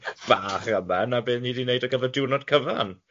bach yma 'na be' ni di wneud ar gyfer diwrnod cyfan.